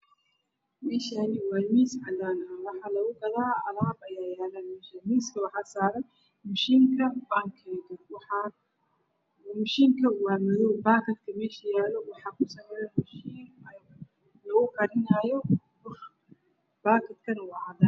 Meeshaan waa miis cadaan ah waxaa lugu gadaa alaab waxaa saaran miiska mishiinka bankeega. Mishiinka waa madow baakadka meesha yaala waxaa kusawiran mishiinka. Baakadka waa cadaan.